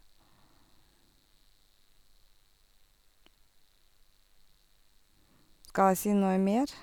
Skal jeg si noe mer?